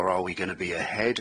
Or are we gonna be ahead?